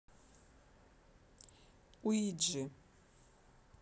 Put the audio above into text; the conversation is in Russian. уиджи